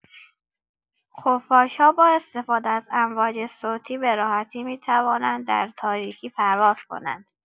خفاش‌ها با استفاده از امواج صوتی به راحتی می‌توانند در تاریکی پرواز کنند.